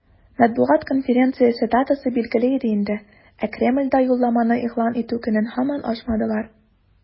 Матбугат конференциясе датасы билгеле иде инде, ә Кремльдә юлламаны игълан итү көнен һаман ачмадылар.